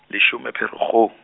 leshome Pherekgong.